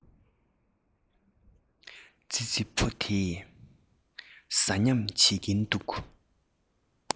ཙི ཙི ཕོ དེ ཟ སྙམ བྱེད ཀྱིན འདུག